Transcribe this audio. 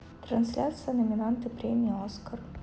трансляция номинанты премии оскар